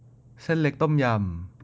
เส้นเล็กต้มยำ